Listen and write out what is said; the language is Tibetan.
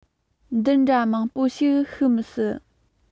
འདི འདྲ མང པོ ཞིག ཤི མི སྲིད